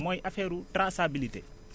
mooy affaire traçabilité